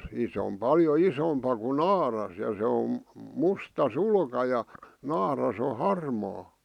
- se on paljon isompi kuin naaras ja se on musta sulka ja naaras on harmaa